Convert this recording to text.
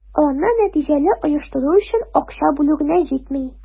Аны нәтиҗәле оештыру өчен акча бүлү генә җитми.